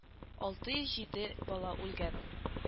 Алты йөз җиде бала үлгән